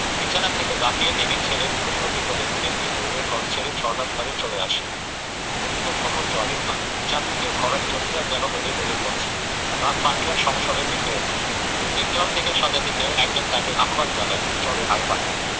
বিছানা থেকে লাফিয়ে নেমে ছেলে মুড়মুড়কে কোলে তুলে নিয়ে দৌড়ে ঘর ছেড়ে ঝরনার ধারে চলে আসে নদীতে তখন জোয়ারের টান চারদিকে ভরাট জ্যোৎস্না যেন গলে গলে পড়ছিল রাত পাখিরা সমস্বরে ডেকে ওঠে নদীর জল থেকে স্বজাতি কেউ একজন তাকে আহ্বান জানায় চলে আয় পানিয়া